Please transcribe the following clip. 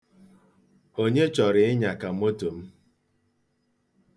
Onye chọrọ ịnyaka moto m?